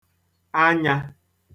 anyā